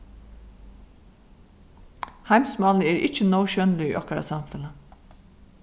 heimsmálini eru ikki nóg sjónlig í okkara samfelag